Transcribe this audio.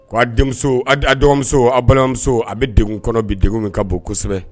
K' aa denmuso a dɔgɔmuso a balimamuso a bɛ denw kɔnɔ bi de min ka bon kosɛbɛ